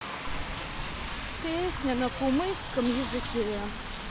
песня на кумыкском языке